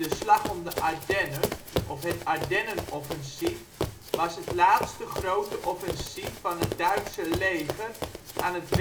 Slag om de Ardennen (of het Ardennenoffensief) was het laatste grote offensief van het Duitse leger aan het